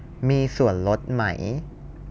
มีส่วนลดไหม